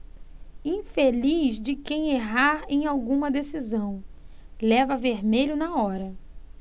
infeliz de quem errar em alguma decisão leva vermelho na hora